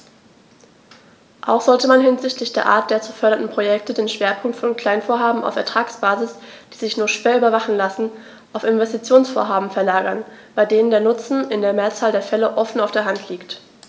Auch sollte man hinsichtlich der Art der zu fördernden Projekte den Schwerpunkt von Kleinvorhaben auf Ertragsbasis, die sich nur schwer überwachen lassen, auf Investitionsvorhaben verlagern, bei denen der Nutzen in der Mehrzahl der Fälle offen auf der Hand liegt.